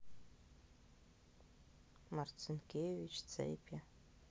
марцинкевич цепи